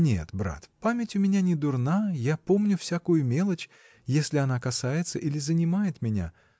Нет, брат, память у меня не дурна, я помню всякую мелочь, если она касается или занимает меня.